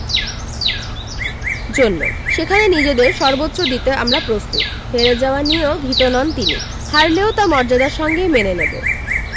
জন্য সেখানে নিজেদের সর্বোচ্চ দিতে আমরা প্রস্তুত হেরে যাওয়া নিয়েও ভীত নন তিনি হারলেও তা মর্যাদার সঙ্গেই মেনে নেব